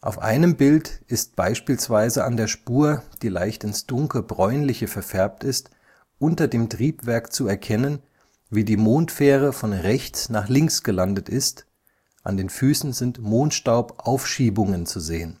Auf dem zweiten Bild ist beispielsweise an der Spur (die leicht ins Dunkle/Bräunliche verfärbt ist) unter dem Triebwerk zu erkennen, wie die Mondfähre von rechts nach links gelandet ist, an den Füßen sind Mondstaubaufschiebungen zu sehen